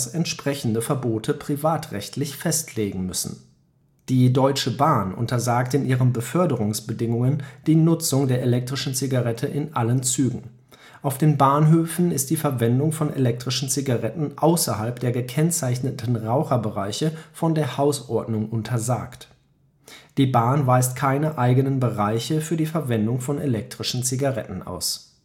entsprechende Verbote privatrechtlich festlegen müssen. Die Deutsche Bahn untersagt in ihren Beförderungsbedingungen die Nutzung der elektrischen Zigarette in allen Zügen. Auf den Bahnhöfen ist die Verwendung von elektrischen Zigaretten außerhalb der „ gekennzeichneten Raucherbereiche “von der Hausordnung untersagt. Die Bahn weist keine eigenen Bereiche für die Verwendung von elektrischen Zigaretten aus